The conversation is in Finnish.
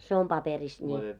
se on paperissa niin